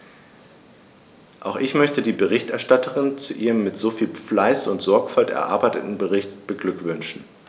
Auch ich möchte die Berichterstatterin zu ihrem mit so viel Fleiß und Sorgfalt erarbeiteten Bericht beglückwünschen.